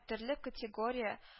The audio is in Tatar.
Төрле категория